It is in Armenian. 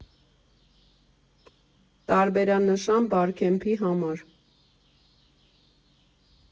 Տարբերանշան՝ Բարքեմփի համար։